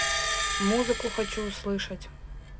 музыку хочу услышать